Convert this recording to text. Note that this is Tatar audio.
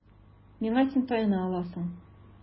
Миңа син таяна аласың.